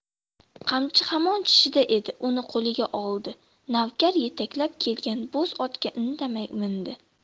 qamchi hamon tishida edi uni qo'liga oldi navkar yetaklab kelgan bo'z otga indamay mindi